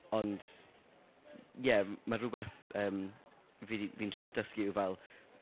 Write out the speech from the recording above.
Ond, ie mae'n rhywbeth yym fi 'di- fi'n trio dysgu yw fel...